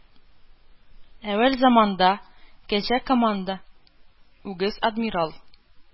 Әүвәл заманда, кәҗә команда, үгез адмирал,